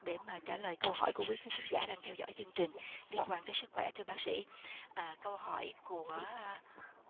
để mà trả lời câu hỏi của quý khán thính giả đang theo dõi chương trình liên quan tới sức khỏe thưa bác sĩ à câu hỏi của